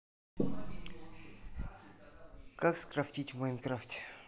как скрафтить в майнкрафте